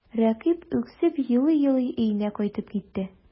Рәкыйп үксеп елый-елый өенә кайтып китте.